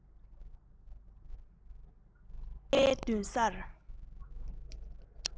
མཁས པའི མདུན སར